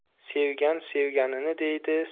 sevgan sevganini deydi